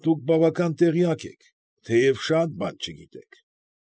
Դուք բավական տեղյակ եք, թեև շատ բան չգիտեք։